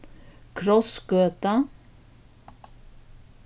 krossgøta